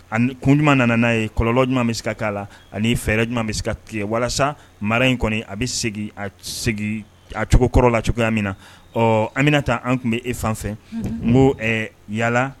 A kun ɲuman nana n'a ye kɔlɔlɔnlɔ ɲuman bɛ se ka k'a la ani fɛɛrɛ ɲuman bɛ ka tile walasa mara in kɔni a bɛ a cogokɔrɔ la cogoyaya min na ɔ an bɛna taa an tun bɛ e fan fɛ n ko yala